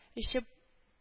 Эче